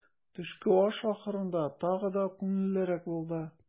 Төшке аш ахырында тагы да күңеллерәк булды.